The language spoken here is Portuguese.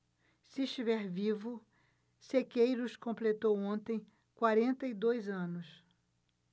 se estiver vivo sequeiros completou ontem quarenta e dois anos